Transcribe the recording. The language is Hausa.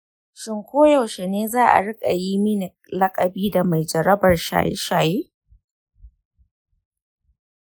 shin koyaushe ne za a riƙa yi mini lakabi da mai jarabar shaye-shaye?